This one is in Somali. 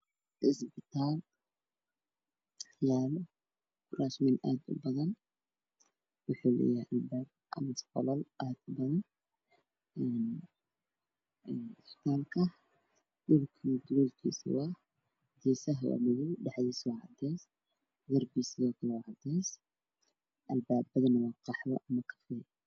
Waxaa ii muuqday guri cusub albaabadiisu waa qadood waxaa xag yaalo kuraas qalin ah kor waxaa ku xiran murwaaxdo